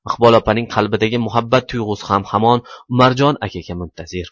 iqbol opaning qalbidagi muhabbat tuyg'usi ham hamon umarjon akaga muntazir